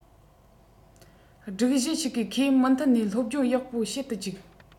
སྒྲིག གཞི ཞིག གིས ཁོས མུ མཐུད ནས སློབ སྦྱོང ཡག པོ བྱེད དུ བཅུག